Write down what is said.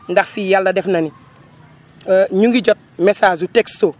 ndax fii yàlla def na ni ñu ngi jot message su texto